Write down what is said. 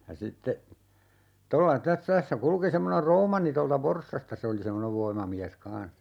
ja sitten tuolla - tässä kulki semmoinen Roomanni tuolta Forssasta se oli semmoinen voimamies kanssa